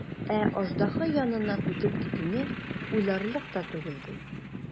Ә аждаһа яныннан үтеп китүне уйларлык та түгел, ди.